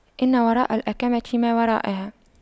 إن وراء الأَكَمةِ ما وراءها